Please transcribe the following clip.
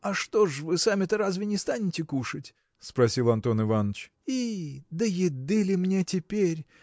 – А что ж, вы сами-то разве не станете кушать? – спросил Антон Иваныч. – И! до еды ли мне теперь?